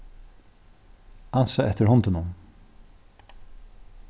ansa eftir hundinum